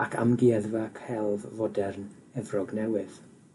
ac Amgueddfa Celf Fodern Efrog Newydd.